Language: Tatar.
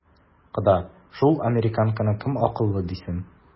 Кода, шул американканы кем акыллы дисен?